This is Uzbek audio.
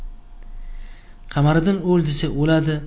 qamariddin o'l desa o'ladi